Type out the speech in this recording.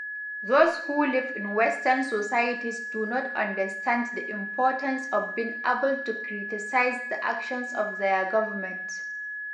“Those who live in western societies do not understand the importance of being able to criticize the actions of their government.